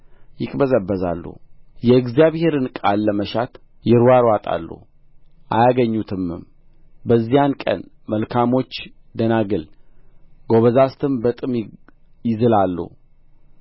ይቅበዘበዛሉ የእግዚአብሔርን ቃል ለመሻት ይርዋርዋጣሉ አያገኙትምም በዚያ ቀን መልካካሞች ደናግል ጐበዛዝትም በጥም ይዝላሉ